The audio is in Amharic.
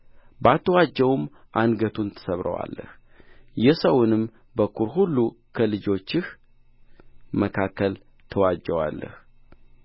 ባትዋጀውም አንገቱን ትሰብረዋለህ የሰውንም በኵር ሁሉ ከልጆችህ መካከል ትዋጀዋለህ